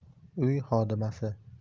uy xodimasi